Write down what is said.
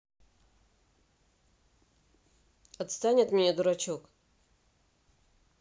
отстань от меня дурачок